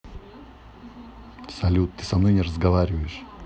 салют ты со мной не разговариваешь